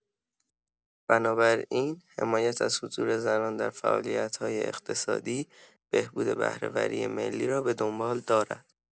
بنابراین حمایت از حضور زنان در فعالیت‌های اقتصادی، بهبود بهره‌وری ملی را به دنبال دارد.